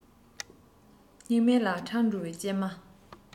སྙིང མེད ལ འཕྲང སྒྲོལ བའི སྐྱེལ མ